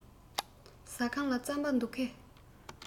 ཟ ཁང ལ རྩམ པ འདུག གས